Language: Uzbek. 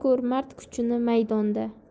ko'r mard kuchini maydonda